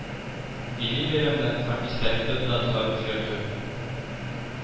Дини бәйрәмнәр һәм истәлекле даталар үзгәртү